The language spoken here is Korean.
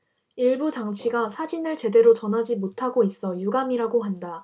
일부 장치가 사진을 제대로 전하지 못하고 있어 유감이라고 한다